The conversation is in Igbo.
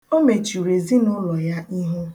O mechuru ezinụụlọ ya ihu.